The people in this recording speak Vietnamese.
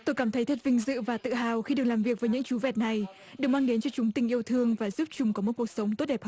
tôi cảm thấy thật vinh dự và tự hào khi được làm việc với những chú vẹt này được mang đến cho chúng tình yêu thương và giúp chúng có một cuộc sống tốt đẹp